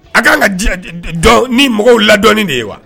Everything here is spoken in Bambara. A ka'an ka ni mɔgɔw ladɔn de ye wa